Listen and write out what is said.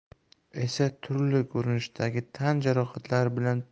esa turli ko'rinishdagi tan jarohatlari